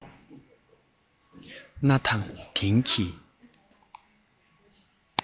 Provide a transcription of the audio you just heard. གནའ དང དེང གི